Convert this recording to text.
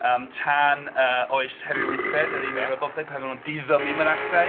Ymm tan yy oes Harri'r Wythfed yr un mil ar bumtheg pan oedden nhw'n diddymu mynachdai.